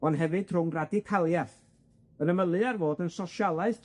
On' hefyd rhwng radicaliath, yn ymylu ar fod yn sosialaeth